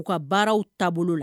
U ka baaraw taabolo la